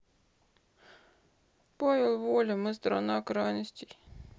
павел воля мы страна крайностей